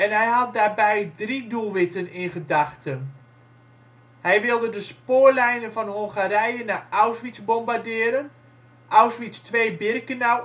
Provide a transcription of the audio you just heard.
had daarbij drie doelwitten in gedachten: hij wilde de spoorlijnen van Hongarije naar Auschwitz bombarderen, Auschwitz II - Birkenau